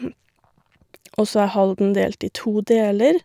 Og så er Halden delt i to deler.